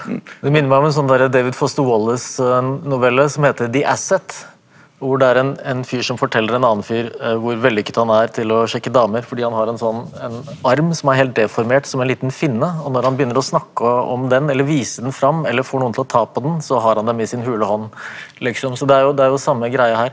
det minner meg om en sånn der David Foster Wallace-novelle som heter The Asset hvor det er en en fyr som forteller en annen fyr hvor vellykket han er til å sjekke damer fordi han har en sånn en arm som er helt deformert som en liten finne og når han begynner å snakke om den eller vise den fram eller får noen til å ta på den så har han dem i sin hule hånd liksom så det er jo det er jo samme greia her.